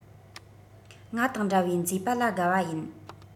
ང དང འདྲ བའི མཛེས པ ལ དགའ བ ཡིན